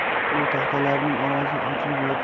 u taxtalarining orasi ochilib yotgan